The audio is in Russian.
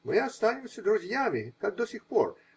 Мы останемся друзьями, как до сих пор